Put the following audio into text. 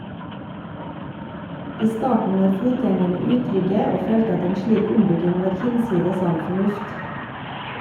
I starten var fotgjengerne utrygge og følte at en slik ombygging var hinsides all fornuft.